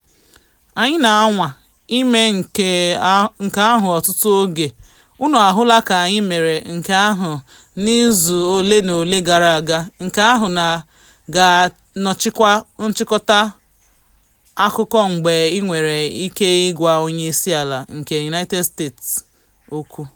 Anyị na anwa ịme nke ahụ ọtụtụ oge, unu ahụla ka anyị mere nke ahụ n’izu ole ma ole gara aga, nke ahụ ga-anọchikwa nchịkọta akụkọ mgbe ị nwere ike ịgwa onye isi ala nke United States okwu.”